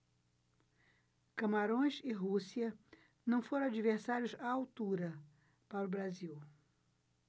camarões e rússia não foram adversários à altura para o brasil